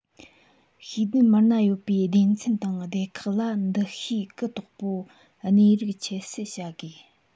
ཤེས ལྡན མི སྣ ཡོད པའི སྡེ ཚན དང སྡེ ཁག ལ འདུ ཤེས གུ དོག པོ གནས རིགས ཁྱད བསད བྱ དགོས